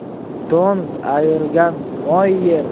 to'ng ayirgan moy yer